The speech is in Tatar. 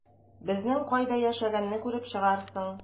Безнең кайда яшәгәнне күреп чыгарсың...